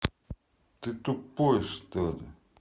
ты тупой что ли